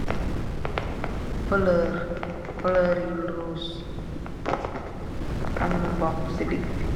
Folurr folur yul ros am lu mbokq ci digi bi.